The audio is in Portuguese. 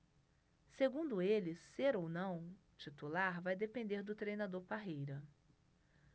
segundo ele ser ou não titular vai depender do treinador parreira